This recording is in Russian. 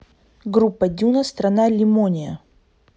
группа дюна страна лимония